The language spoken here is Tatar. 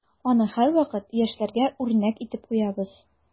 Аны һәрвакыт яшьләргә үрнәк итеп куябыз.